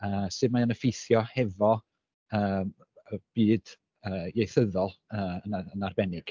A sut mae o'n effeithio hefo yym y byd ieithyddol yn arbennig.